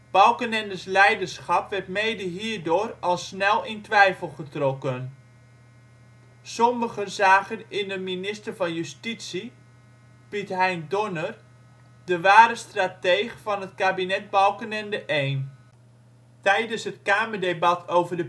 Balkenendes leiderschap werd mede hierdoor al snel in twijfel getrokken. Sommigen zagen in de minister van justitie Piet-Hein Donner de ware strateeg van het kabinet Balkenende-I. Tijdens het kamerdebat over de